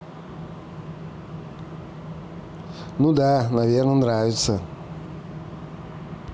ну да наверное нравится